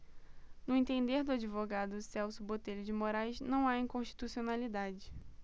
no entender do advogado celso botelho de moraes não há inconstitucionalidade